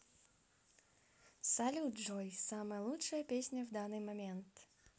салют джой самая лучшая песня в данный момент